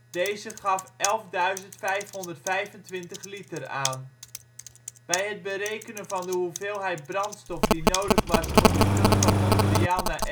gaf 11 525 liter aan. Bij het berekenen van de hoeveelheid brandstof die nodig was voor de vlucht van Montréal naar